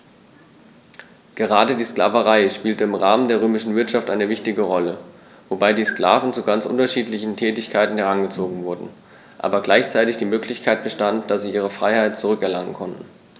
Gerade die Sklaverei spielte im Rahmen der römischen Wirtschaft eine wichtige Rolle, wobei die Sklaven zu ganz unterschiedlichen Tätigkeiten herangezogen wurden, aber gleichzeitig die Möglichkeit bestand, dass sie ihre Freiheit zurück erlangen konnten.